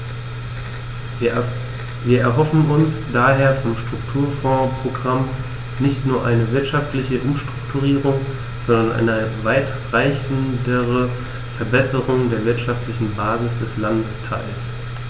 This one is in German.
Wir erhoffen uns daher vom Strukturfondsprogramm nicht nur eine wirtschaftliche Umstrukturierung, sondern eine weitreichendere Verbesserung der wirtschaftlichen Basis des Landesteils.